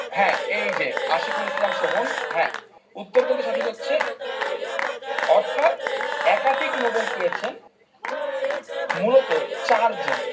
হ্যাঁ এই যে আশিকুল ইসলাম শোভন উত্তর কিন্তু সঠিক হচ্ছে অর্থাৎ একাধিক নোবেল পেয়েছেন মূলত 4 জন